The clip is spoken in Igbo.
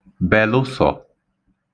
bèlụsọ̀